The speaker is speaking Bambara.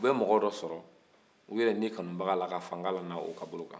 u bɛ mɔgɔ dɔ sɔrɔ u yɛrɛ nin kanubaga la ka fanga lana o ka bolo kan